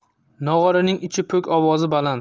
nog'oraning ichi po'k ovozi baland